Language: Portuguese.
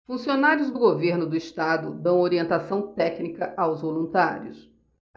funcionários do governo do estado dão orientação técnica aos voluntários